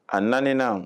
A 4 nan